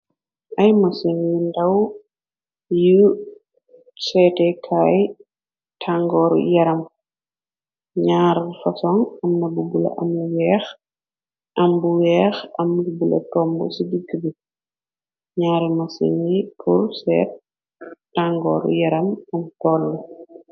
Ay masin yi ndaw, yu stekaay tangooru yaram, ñaaru fason amna bu bula am weex, am bu weex am bula tomb ci dikk bi, ñaare masin yi pur seet tangooru yaram am poll.